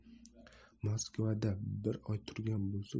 maskovda bir oy turgan bo'sak